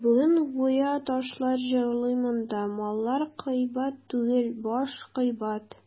Бүген гүя ташлар җырлый монда: «Маллар кыйбат түгел, баш кыйбат».